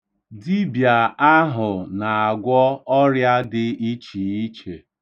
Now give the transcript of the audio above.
Dibịa ahụ na-agwọ ọrịa dị ichiiche.